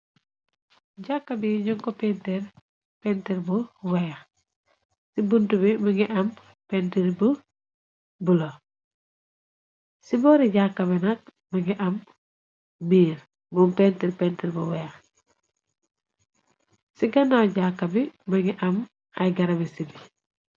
Jakk bi nënko pintir pentir bu weex ci buntu bi ma ngi am pentr bu bulo ci boori jàkka bi nak ngi am miir mu ntr pentr bu weex ci ganaaw jakka bi ma ngi am ay garabi ci bi.